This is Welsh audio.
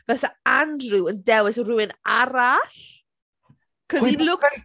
fyse Andrew yn dewis rhywun arall. Because he looks...